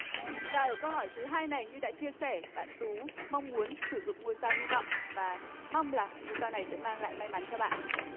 và ở câu hỏi thứ hai này như đã chia sẻ bạn tú mong muốn sử dụng ngôi sao hy vọng và mong là ngôi sao này sẽ mang lại may mắn cho bạn